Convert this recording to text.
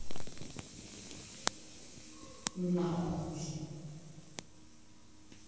нахуй иди